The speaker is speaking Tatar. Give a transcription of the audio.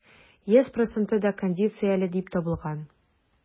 Йөз проценты да кондицияле дип табылган.